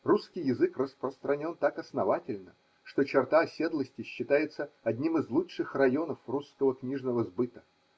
Русский язык распространен так основательно, что черта оседлости считается одним из лучших районов русского книжного сбыта.